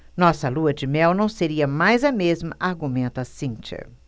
nossa lua-de-mel não seria mais a mesma argumenta cíntia